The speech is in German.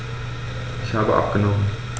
Ich habe abgenommen.